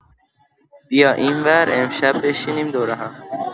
بیا اینور امشب بشینیم دور هم